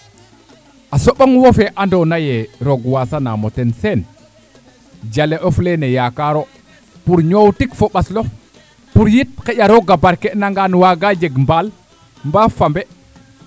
a soɓong wo fe ando naye roog wasanamoten Sene jala of leene yakaro pour ñootik fo ɓaslof pour yit xaƴa rooga barkenangan waaga jeg ɓaal mba faɓe